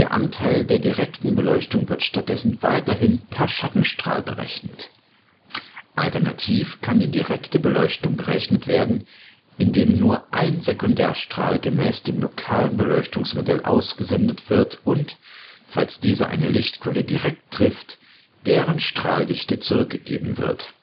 Anteil der direkten Beleuchtung wird stattdessen weiterhin per Schattenstrahl berechnet. Alternativ kann die direkte Beleuchtung berechnet werden, indem nur ein Sekundärstrahl gemäß dem lokalen Beleuchtungsmodell ausgesendet wird und, falls dieser eine Lichtquelle direkt trifft, deren Strahldichte zurückgegeben wird